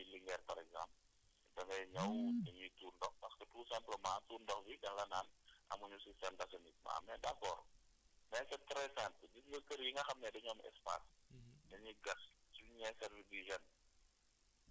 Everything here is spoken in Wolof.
dañ ko nar a dépassé parce que soo ñëwee fii biir Linguère par exemple da ngay ñëw dañuy tuur ndox parce que tout simplement tuur ndox bi daf la naan amuñu système d' assainissement waa mais d' accord mais c' est très simple gis nga kër yi nga xam ne dañoo am espace